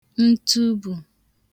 ntubù